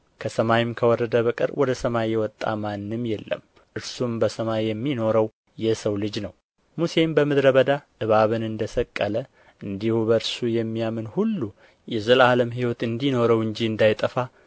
ከሰማይም ከወረደ በቀር ወደ ሰማይ የወጣ ማንም የለም እርሱም በሰማይ የሚኖረው የሰው ልጅ ነው ሙሴም በምድረ በዳ እባብን እንደ ሰቀለ እንዲሁ በእርሱ የሚያምን ሁሉ የዘላለም ሕይወት እንዲኖረው እንጂ እንዳይጠፋ የሰው ልጅ ይሰቀል ይገባዋል በእርሱ የሚያምን ሁሉ የዘላለም ሕይወት እንዲኖረው እንጂ እንዳይጠፋ